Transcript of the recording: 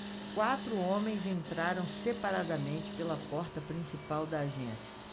quatro homens entraram separadamente pela porta principal da agência